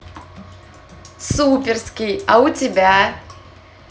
суперский а у тебя